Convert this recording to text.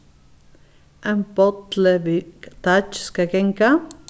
ein bolli við deiggj skal ganga